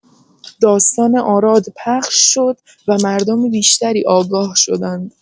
داستان آراد پخش شد و مردم بیشتری آگاه شدند.